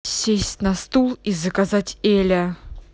сесть на стул и заказать эля